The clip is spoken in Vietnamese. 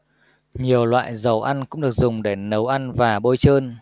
nhiều loại dầu ăn cũng được dùng để nấu ăn và bôi trơn